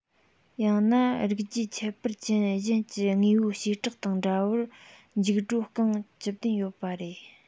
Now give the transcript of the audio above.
ཡང ན རིགས རྒྱུད ཁྱད པར ཅན གཞན གྱི དངོས པོའི བྱེ བྲག དང འདྲ བར མཇུག སྒྲོ རྐང བཅུ བདུན ཡོད པ རེད